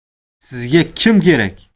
sizga kim kerak